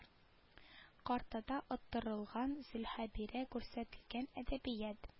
Картада оттырылган зөлхәбирә күрсәтелгән әдәбият